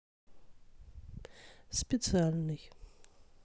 специальный